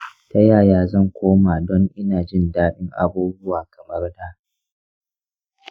ta yaya zan koma don ina jin dadin abubuwa kamar da?